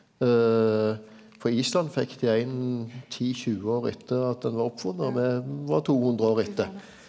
på Island fekk dei ein ti 20 år etter at den var oppfunne og me var 200 år etter.